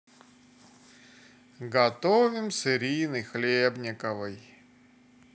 готовим с ириной хлебниковой